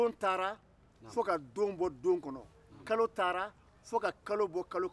u taara fo ka don bɔ don kɔnɔ kalo taara fo ka kalo bɔ kalo kɔnɔ